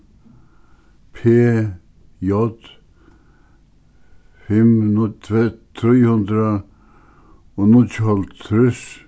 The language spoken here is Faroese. p j fimm trý hundrað og níggjuoghálvtrýss